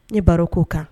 Ne baro ko kan